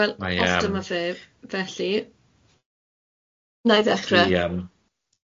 Wel, os dyma fe, felly wna i ddechre ... Yym